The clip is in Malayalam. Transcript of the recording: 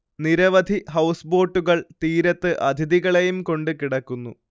നിരവധി ഹൗസ് ബോട്ടുകൾ തീരത്ത് അതിഥികളെയും കൊണ്ട് കിടക്കുന്നു